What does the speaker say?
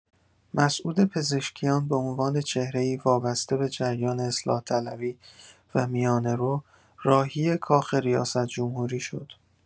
مسعود پزشکیان به عنوان چهره‌ای وابسته به جریان اصلاح‌طلبی و میانه‌رو راهی کاخ ریاست‌جمهوری شد.